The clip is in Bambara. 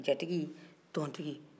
jatigi tontigi